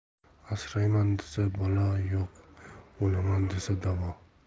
asrayman desa balo yo'q o'laman desa davo